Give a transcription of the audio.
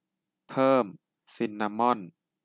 เพิ่มซินนามอน